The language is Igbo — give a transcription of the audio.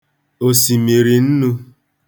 òsìmìrìnnū